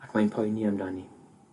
ac mae'n poeni amdani.